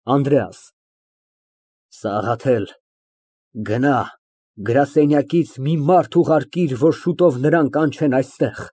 ԱՆԴՐԵԱՍ ֊ Սաղաթել, գնա, գրասենյակից մի մարդ ուղարկիր, որ շուտով նրան կանչեն այստեղ։